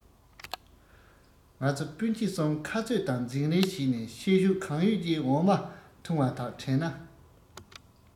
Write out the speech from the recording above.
ང ཚོ སྤུན མཆེད གསུམ ཁ རྩོད དང འཛིང རེས བྱེད ནས ཤེད ཤུགས གང ཡོད ཀྱིས འོ མ འཐུང བ དག དྲན ན